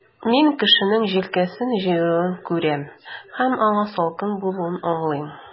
Мин кешенең җилкәсен җыеруын күрәм, һәм аңа салкын булуын аңлыйм.